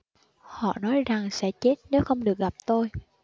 họ nói rằng sẽ chết nếu không được gặp tôi